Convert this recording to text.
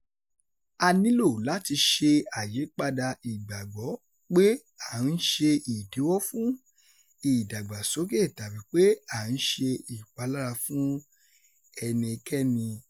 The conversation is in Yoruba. A nílò láti ṣe àyípadà ìgbàgbọ́ pé à ń ṣe ìdíwọ́ fún ìdàgbàsókè tàbí pé à ń ṣe ìpalára fún ẹnikẹ́ni.